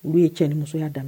Olu ye cɛ nimusoya daminɛ